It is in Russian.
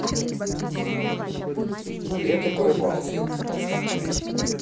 советы по рыбалке